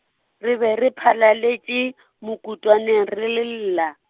re be re phalaletše, mokutwaneng re le lla.